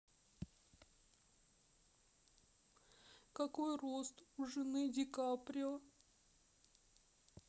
какой рост у жены ди каприо